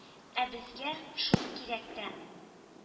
Ә безгә шул кирәк тә